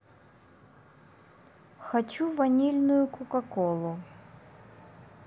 хочу ванильную кока колу